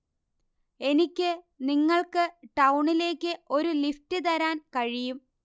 എനിക്ക് നിങ്ങൾക്ക് ടൌണിലേക്ക് ഒരു ലിഫ്റ്റ് തരാൻ കഴിയും